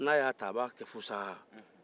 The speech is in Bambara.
n'a y'a ta a b'a kɛ fussa